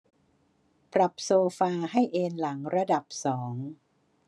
ปรับโซฟาให้เอนหลังระดับสอง